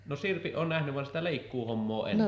no sirpin olen nähnyt vaan sitä leikkuuhommaa en